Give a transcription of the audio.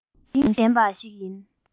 རང བཞིན ལྡན པ ཞིག ཡིན